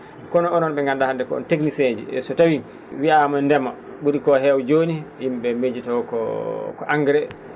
kono onon ne ?e gandu?e hannde ko on technicien ji e so tawii wiyaama ndema ?uri ko heew jooni yim?e miijotoo ko ko engrais